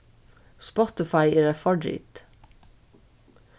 spotify er eitt forrit